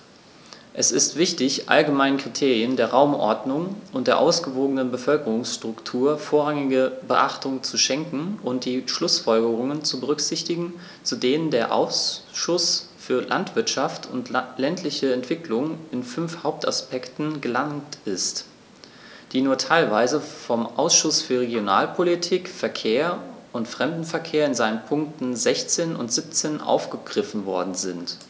Es ist wichtig, allgemeinen Kriterien der Raumordnung und der ausgewogenen Bevölkerungsstruktur vorrangige Beachtung zu schenken und die Schlußfolgerungen zu berücksichtigen, zu denen der Ausschuss für Landwirtschaft und ländliche Entwicklung in fünf Hauptaspekten gelangt ist, die nur teilweise vom Ausschuss für Regionalpolitik, Verkehr und Fremdenverkehr in seinen Punkten 16 und 17 aufgegriffen worden sind.